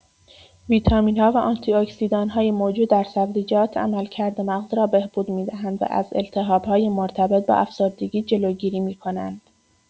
ویتامین‌ها و آنتی‌اکسیدان‌های موجود در سبزیجات عملکرد مغز را بهبود می‌دهند و از التهاب‌های مرتبط با افسردگی جلوگیری می‌کنند.